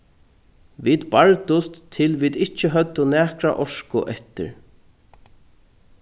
vit bardust til vit ikki høvdu nakra orku eftir